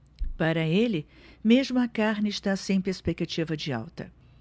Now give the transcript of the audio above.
para ele mesmo a carne está sem perspectiva de alta